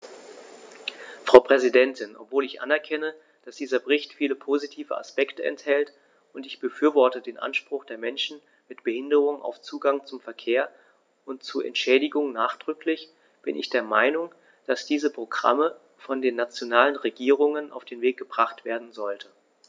Frau Präsidentin, obwohl ich anerkenne, dass dieser Bericht viele positive Aspekte enthält - und ich befürworte den Anspruch der Menschen mit Behinderung auf Zugang zum Verkehr und zu Entschädigung nachdrücklich -, bin ich der Meinung, dass diese Programme von den nationalen Regierungen auf den Weg gebracht werden sollten.